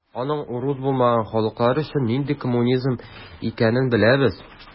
Аның урыс булмаган халыклар өчен нинди коммунизм икәнен беләбез.